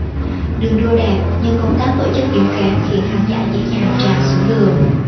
đường đua đẹp nhưng công tác tổ chức yếu kém khiến khán giả dễ dàng tràn xuống đường